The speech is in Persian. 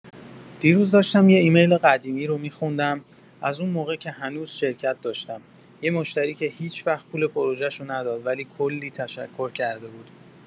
دیروز داشتم یه ایمیل قدیمی رو می‌خوندم، از اون موقع که هنوز شرکت داشتم، یه مشتری که هیچ‌وقت پول پروژه‌شو نداد ولی کلی تشکر کرده بود.